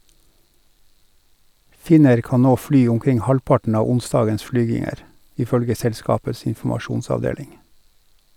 Finnair kan nå fly omkring halvparten av onsdagens flyginger, ifølge selskapets informasjonsavdeling.